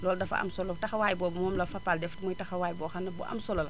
loolu dafa am solo taxawaay boobu moom la Fapal def muy taxawaay boo xam ne bu am solo la